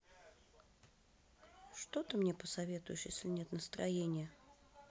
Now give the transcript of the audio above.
что ты мне посоветуешь если нет настроения